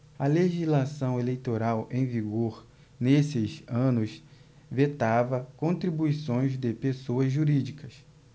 a legislação eleitoral em vigor nesses anos vetava contribuições de pessoas jurídicas